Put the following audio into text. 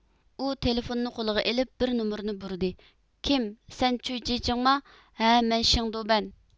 ئۇ تېلېفوننى قولىغا ئېلىپ بىر نومۇرنى بۇرىدى كىم سەن چۈيجىچىڭما ھە مەن شېڭدۇبەن